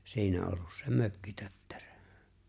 siinä ollut se mökkitötterö